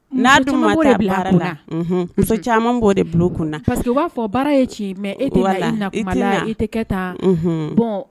Na dun ma taa baara la. Unhun . Muso caman bo de bulu kun na. Parceque u ba fɔ baara ye tiɲɛ ye mais e tɛ na i nakuma la . I tɛ na . I ti kɛtan Unhun bɔ